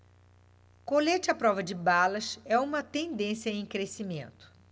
colete à prova de balas é uma tendência em crescimento